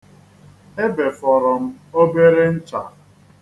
Ebefọrọ m obere ncha.